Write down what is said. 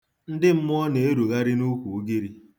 Ndị mmụọ na-erugharị n'ukwu ugiri.